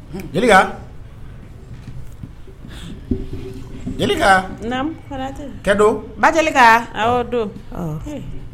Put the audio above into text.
Jeliba jeli ba jeli don